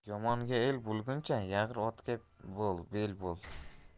yomonga el bo'lguncha yag'ir otga bel bo'l